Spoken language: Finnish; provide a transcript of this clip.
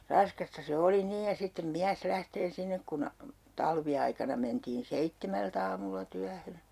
raskasta se oli niin ja sitten mies lähtee sinne kun talviaikana mentiin seitsemältä aamulla työhön